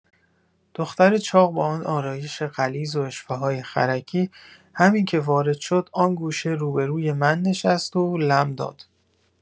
دختر چاق با آن آرایش غلیظ و اشوه‌های خرکی همین که وارد شد آن گوشه رو به روی من نشست و لم داد.